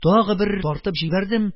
Тагы бер тартып җибәрдем,